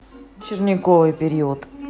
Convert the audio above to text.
черниковой период